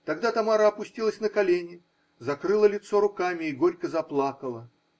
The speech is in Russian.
Тогда Тамара опустилась на колени, закрыла лицо руками и горько заплакала.